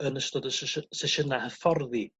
yn ystod y ss- sesiyna' hyfforddi?